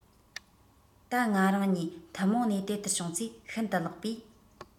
ད ང རང གཉིས ཐུན མོང ནས དེ ལྟར བྱུང ཚེ ཤིན ཏུ ལེགས པས